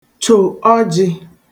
chò ọjị̄